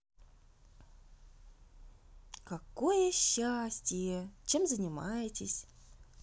какое счастье чем занимаетесь